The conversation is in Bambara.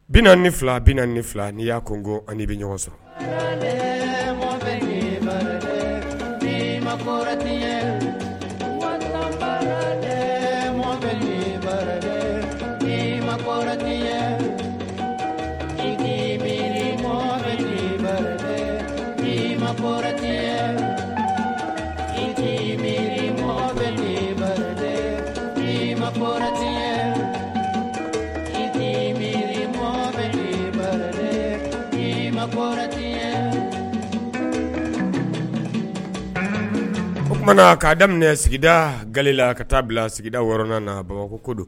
Bi ni fila bi ni fila ni y'a n ko ani bɛ ɲɔgɔn sɔrɔ mɔgɔ bajɛse mɔgɔ bɛ oumana ka daminɛ sigida gala ka taa bila sigida wɔɔrɔn na bamakɔ ko don